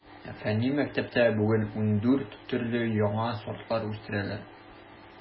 Фәнни мәктәптә бүген ундүрт төрле яңа сортлар үстерәләр.